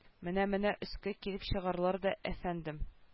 Менә-менә өскә килеп чыгарлар да әфәндем